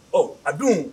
Ɔ a dun